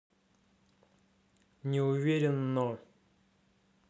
не уверен но